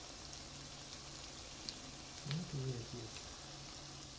я твой отец